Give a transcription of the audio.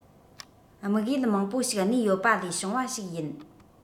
དམིགས ཡུལ མང པོ ཞིག གནས ཡོད པ ལས བྱུང བ ཞིག ཡིན